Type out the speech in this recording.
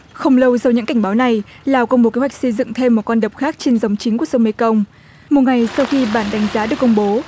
không lâu sau những cảnh báo này là cùng một kế hoạch xây dựng thêm một con đập khác trên dòng chính của sông mê công một ngày sau khi bản đánh giá được công bố